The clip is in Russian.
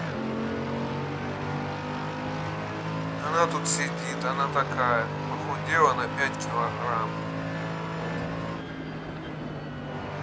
она тут сидит она такая похудела на пять килограмм